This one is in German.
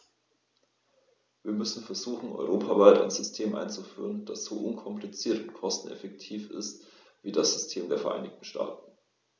Wir müssen versuchen, europaweit ein System einzuführen, das so unkompliziert und kosteneffektiv ist wie das System der Vereinigten Staaten.